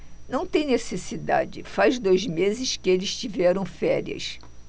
não tem necessidade faz dois meses que eles tiveram férias